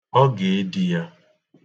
Ọ ga-edi ya.